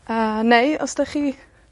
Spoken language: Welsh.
A, neu os 'dych chi